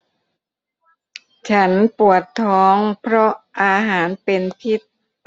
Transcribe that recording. ฉันปวดท้องเพราะอาหารเป็นพิษ